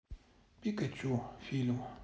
пикачу фильм